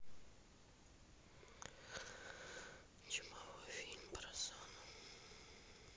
чумовой фильм про зону